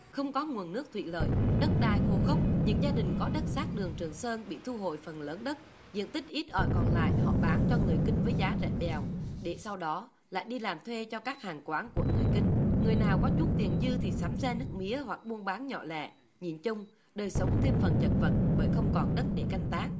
không có nguồn nước thủy lợi đất đai khô khốc những gia đình có đất giáp đường trường sơn bị thu hồi phần lớn đất diện tích ít ỏi còn lại họ bán cho người kinh với giá rẻ bèo để sau đó lại đi làm thuê cho các hàng quán của người kinh người nào có chút tiền dư thì sắm xe nước mía hoặc buôn bán nhỏ lẻ nhìn chung đời sống thêm phần chật vật bởi không còn đất để canh tác